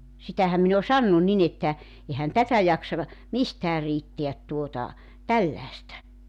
sitähän minä olen sanonut niin että eihän tätä jaksa ka mistään riittää tuota tällaista